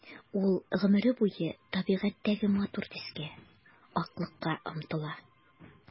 Ул гомере буе табигатьтәге матур төскә— аклыкка омтыла.